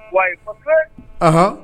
Aɔn